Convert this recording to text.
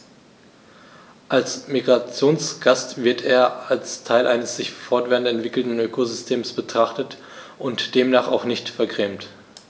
Als Migrationsgast wird er als Teil eines sich fortwährend entwickelnden Ökosystems betrachtet und demnach auch nicht vergrämt.